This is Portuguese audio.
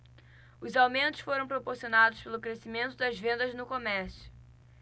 os aumentos foram proporcionados pelo crescimento das vendas no comércio